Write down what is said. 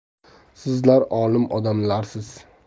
sizlar olim odamlarsiz